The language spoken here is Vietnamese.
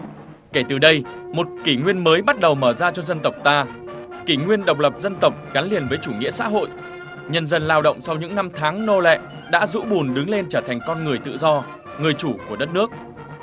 kể từ đây một kỷ nguyên mới bắt đầu mở ra cho dân tộc ta kỷ nguyên độc lập dân tộc gắn liền với chủ nghĩa xã hội nhân dân lao động sau những năm tháng nô lệ đã rũ bùn đứng lên trở thành con người tự do người chủ của đất nước